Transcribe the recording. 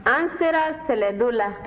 an sera sɛlɛdo la